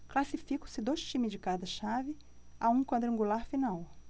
classificam-se dois times de cada chave a um quadrangular final